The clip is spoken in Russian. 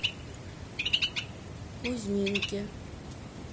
кузьминки